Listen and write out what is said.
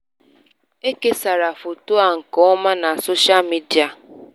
E kesara foto a nke ọma na soshal midịa.